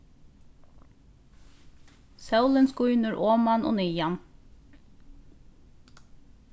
sólin skínur oman og niðan